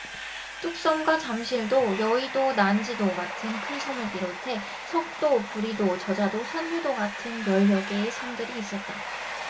뚝섬과 잠실도 여의도 난지도 같은 큰 섬을 비롯해 석도 부리도 저자도 선유도 같은 열 여개의 섬들이 있었다